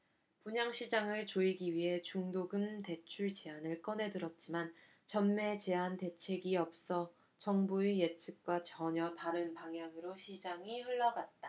분양시장을 조이기 위해 중도금 대출 제한을 꺼내들었지만 전매제한 대책이 없어 정부의 예측과 전혀 다른 방향으로 시장이 흘러갔다